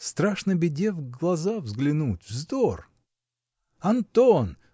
Страшно беде в глаза взглянуть -- вздор!" -- Антон!